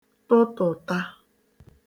tụtụ̀ta